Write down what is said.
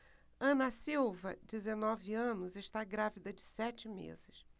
ana silva dezenove anos está grávida de sete meses